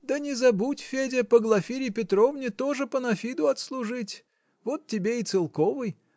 Да не забудь, Федя, по Глафире Петровне тоже панафиду отслужить вот тебе и целковый.